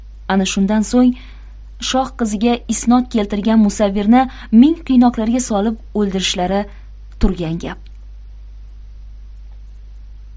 ana undan so'ng shoh qiziga isnod keltirgan musavvirni ming qiynoqlarga solib o'ldirishlari turgan gap